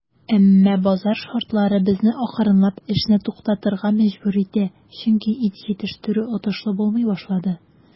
Әмма базар шартлары безне акрынлап эшне туктатырга мәҗбүр итә, чөнки ит җитештерү отышлы булмый башлады.